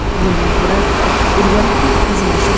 bundan ko'ra ilgarigidek hazillashib